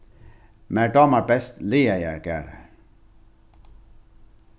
mær dámar best laðaðar garðar